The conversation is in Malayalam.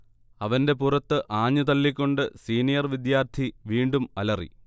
അവന്റെ പുറത്ത്ആഞ്ഞു തള്ളിക്കൊണ്ടു സീനിയർ വിദ്യാർത്ഥി വീണ്ടും അലറി